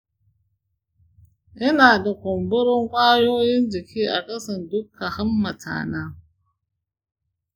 ina da kumburin ƙwayoyin jiki a ƙasan duka hammata na.